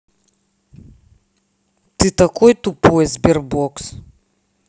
ты такой тупой sberbox